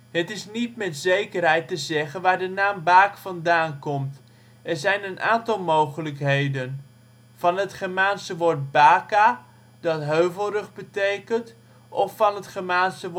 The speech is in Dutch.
Het is niet met zekerheid te zeggen waar de naam Baak vandaan komt. Er zijn een aantal mogelijkheden: van het Germaanse woord ' baka ', dat heuvelrug betekent. van het Germaanse